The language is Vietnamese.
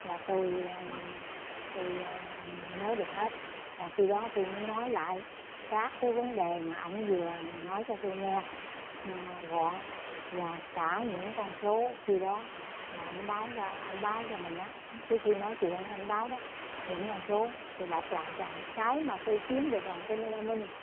là tôi tôi nhớ được hết và khi đó tui mới nói lại các cái vấn đề mà ảnh dừa nói cho tôi nghe a gọn và cả những con số khi đó mà ảnh báo ra anh báo cho mình á cái khi nói chuyện đó anh báo đó những con số tôi đọc lại cho ảnh cái mà tôi chiếm được lòng tin ở gia minh